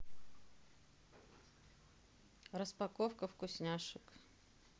распаковка вкусняшек